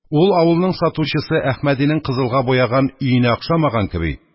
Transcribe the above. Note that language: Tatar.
Ул, авылның сатучысы Әхмәдинең кызылга буяган өенә охшамаган кеби,